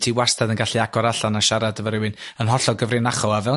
ti wasdad yn gallu agor allan a siarad efo rywun yn hollol gyfrinachol a fel